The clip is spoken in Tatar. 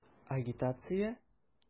Агитация?!